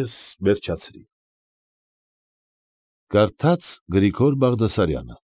Ես վերջացրի։ կարդաց Գրիգոր Բաղդասարյանը